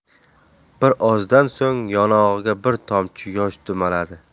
bir ozdan so'ng yonog'iga bir tomchi yosh dumaladi